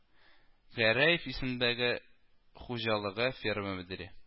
Гәрәев исемендәге хуҗалыгы ферма мөдире